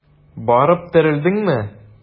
Барып терәлдеңме?